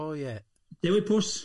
O ie, Dewi Pws.